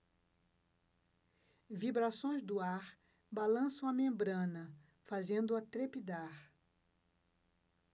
vibrações do ar balançam a membrana fazendo-a trepidar